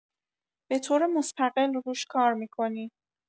به‌طور مستقل روش کار می‌کنی.